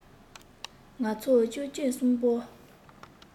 ང ཚོ གཅེན གཅུང གསུམ པོ